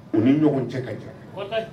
U ni ɲɔgɔn cɛ ka jɛ